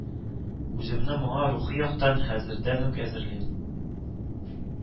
Үземне моңа рухи яктан хәзердән үк әзерлим